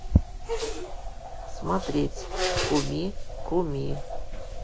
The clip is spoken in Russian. смотреть куми куми